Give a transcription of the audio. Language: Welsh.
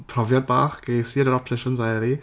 Profiad bach ges i yn yr opticians heddi.